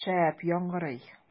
Шәп яңгырый!